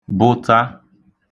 bụta